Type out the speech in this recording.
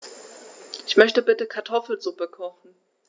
Ich möchte bitte Kartoffelsuppe kochen.